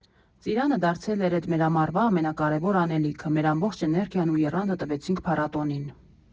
Ծիրանը դարձել էր էդ մեր ամառվա ամենակարևոր անելիքը, մեր ամբողջ էներգիան ու եռանդը տվեցինք փառատոնին։